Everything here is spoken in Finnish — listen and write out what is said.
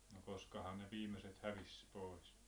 no koskahan ne viimeiset hävisi pois